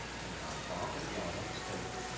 Зына тагын бер яңадан өстәлде